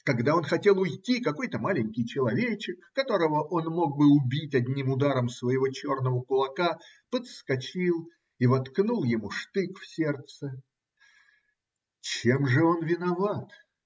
Когда он хотел уйти, какой-то маленький человечек, которого он мог бы убить одним ударом своего черного кулака, подскочил и воткнул ему штык в сердце. Чем же он виноват?